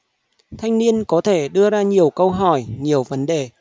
thanh niên có thể đưa ra nhiều câu hỏi nhiều vấn đề